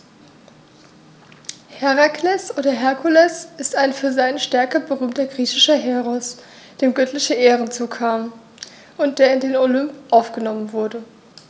Herakles oder Herkules ist ein für seine Stärke berühmter griechischer Heros, dem göttliche Ehren zukamen und der in den Olymp aufgenommen wurde.